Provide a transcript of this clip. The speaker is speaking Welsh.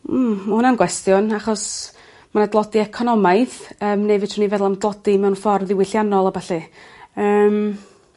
Mm ma' wna'n gwestiwn achos ma' 'na dlodi economaidd yym ne' fedrwn ni feddwl am dodi mewn ffor' diwylliannol a ballu. Yym.